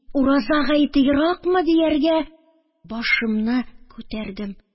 Ураза гаете еракмы?» – дияргә башымны күтәрдем